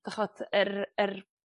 d'chod yr yr